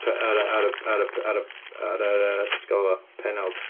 P- Ar y, ar y, ar y, ar y, ar yy, be' ti'n galw fo, pennawd.